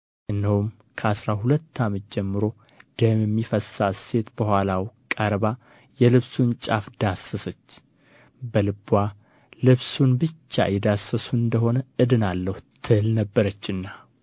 እነሆም ከአሥራ ሁለት ዓመት ጀምሮ ደም የሚፈስሳት ሴት በኋላው ቀርባ የልብሱን ጫፍ ዳሰሰች በልብዋ ልብሱን ብቻ የዳሰስሁ እንደ ሆነ እድናለሁ ትል ነበረችና